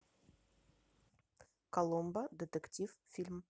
коломбо детектив фильм